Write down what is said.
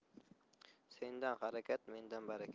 sendan harakat mendan barakat